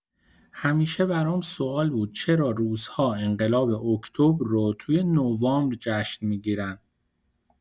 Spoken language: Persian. همیشه برام سوال بود چرا روس‌ها انقلاب اکتبر رو توی نوامبر جشن می‌گیرن؟